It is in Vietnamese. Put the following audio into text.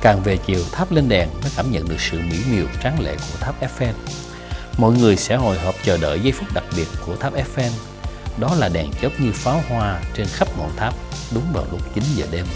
càng về chiều tháp lên đèn ta cảm nhận được sự mỹ miều tráng lệ của tháp ép phen mỗi người sẽ hồi hộp chờ đợi giây phút đặc biệt của tháp ép phen đó là đèn chớp như pháo hoa trên khắp ngọn tháp đúng vào lúc chín giờ đêm